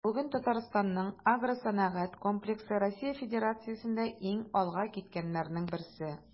Бүген Татарстанның агросәнәгать комплексы Россия Федерациясендә иң алга киткәннәрнең берсе.